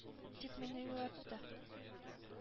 — дип мине юатты.